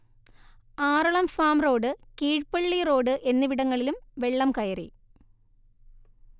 Aralam farm road Keezhpally road എന്നിവിടങ്ങളിലും വെള്ളം കയറി